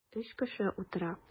Өч кеше утыра.